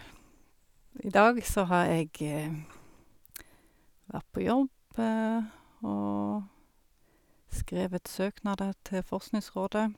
I dag så har jeg vært på jobb og skrevet søknader til Forskningsrådet.